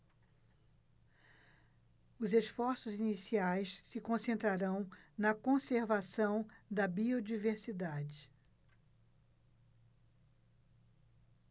os esforços iniciais se concentrarão na conservação da biodiversidade